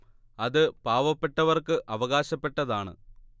അത് പാവപ്പെട്ടവർക്ക് അവകാശപ്പെട്ടതാണ്